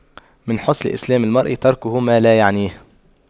من حسن إسلام المرء تَرْكُهُ ما لا يعنيه